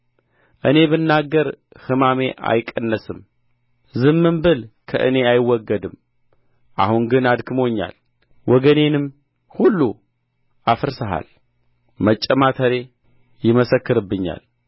እኔ ብናገር ሕማሜ አይቀነስም ዝምም ብል ከእኔ አይወገድም አሁን ግን አድክሞኛል ወገኔንም ሁሉ አፍርሰሃል መጨማተሬ ይመሰክርብኛል